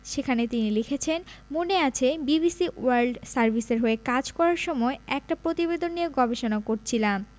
সেখানে তিনি লিখেছেন মনে আছে বিবিসি ওয়ার্ল্ড সার্ভিসের হয়ে কাজ করার সময় একটা প্রতিবেদন নিয়ে গবেষণা করছিলাম